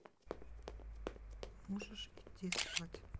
можешь идти спать